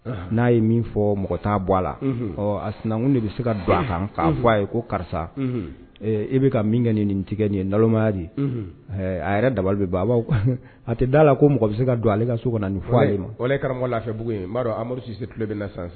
N'a ye min fɔ mɔgɔ t taa bɔ a la a sinankun de bɛ se ka don a kan k' fɔ a ye ko karisa i bɛ ka min kɛ ni nin tigɛ nin yemaya de a yɛrɛ daba baa a tɛ'a la ko mɔgɔ bɛ se ka don ale ka so nin f fɔfɛbugu'a amadu sisi na sa